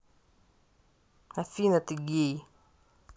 афина ты гей